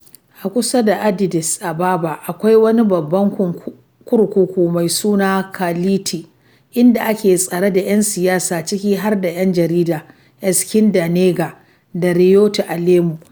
A kusa da Addis Ababa, akwai wani babban kurkuku mai suna Kality inda ake tsare da yan siyasa, ciki har da yan jarida Eskinder Nega da Reeyot Alemu.